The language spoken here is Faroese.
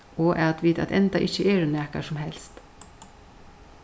og at vit at enda ikki eru nakar sum helst